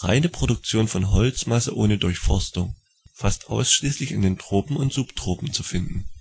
reine Produktion von Holzmasse ohne Durchforstung; fast ausschließlich in den Tropen und Subtropen zu finden